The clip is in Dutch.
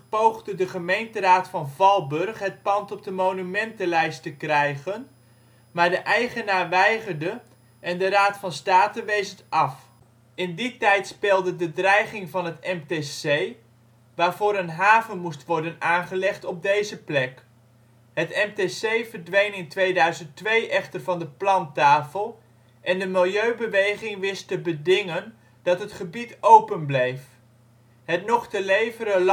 poogde de gemeenteraad van Valburg het pand op de monumentenlijst te krijgen, maar de eigenaar weigerde en de Raad van State wees het af. In die tijd speelde de dreiging van het MTC, waarvoor een haven moest worden aangelegd op deze plek. Het MTC verdween in 2002 echter van de plantafel en de milieubeweging wist te bedingen dat het gebied open bleef. Het nog op te leveren Landschapspark